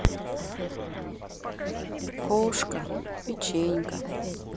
кошка печенька